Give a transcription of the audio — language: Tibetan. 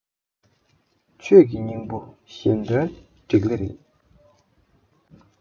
ཆོས ཀྱི སྙིང པོ གཞན དོན འགྲིག ལེ རེད